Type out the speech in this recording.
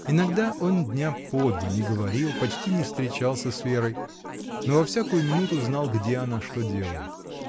Иногда он дня по два не говорил, почти не встречался с Верой, но во всякую минуту знал, где она, что делает.